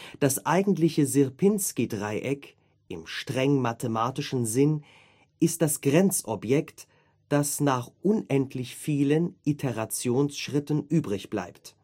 Das eigentliche Sierpinski-Dreieck im streng mathematischen Sinn ist das Grenzobjekt, das nach unendlich vielen Iterationsschritten übrigbleibt